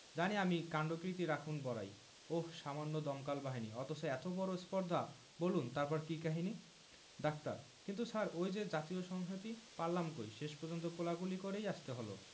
জানি আমি কাণ্ডকীর্তি রাখুন বড়াই ওহ্ সামান্য দমকল বাহিনী অথচ এত বড় স্পর্ধা বুলন তারপর কি কাহিনী ডাক্তার কিন্তু স্যার ওই যে জাতীয় সংহতি পারলাম কই শেষ পর্যন্ত কোলাকুলি করেই আসতে হলো